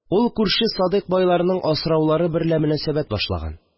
Ул күрше Садык байларның асраулары берлә мөнәсәбәт башлаган